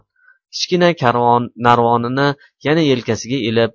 kichkina narvonini yana yelkasiga ilib